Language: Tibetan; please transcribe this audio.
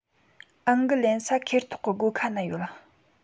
ཨང ཀི ལེན ས ཁེར ཐོག གི སྒོ ཁ ན ཡོད